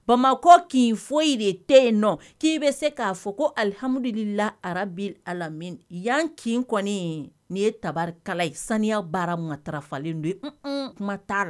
Bamakɔ kin foyi de tɛ yen nɔ k'i bɛ se k'a fɔ ko alihamudu la arabi ami yan kin kɔni nin ye tarikala ye saniya baara matarafalen don ye kuma taara la